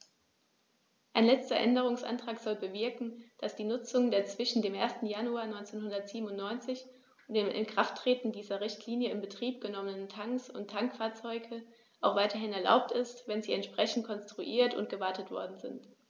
Ein letzter Änderungsantrag soll bewirken, dass die Nutzung der zwischen dem 1. Januar 1997 und dem Inkrafttreten dieser Richtlinie in Betrieb genommenen Tanks und Tankfahrzeuge auch weiterhin erlaubt ist, wenn sie entsprechend konstruiert und gewartet worden sind.